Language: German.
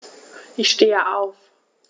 Ich stehe auf.